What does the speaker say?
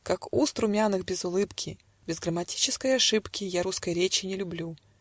Как уст румяных без улыбки, Без грамматической ошибки Я русской речи не люблю.